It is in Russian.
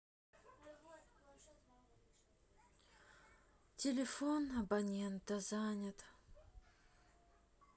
телефон абонента занят